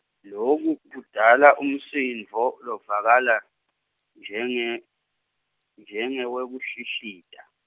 loku kudala umsindvo lovakala njenge njengewekuhlihlita.